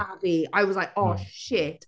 A fi I was like "Aw shit!".